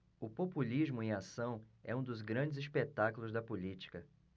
o populismo em ação é um dos grandes espetáculos da política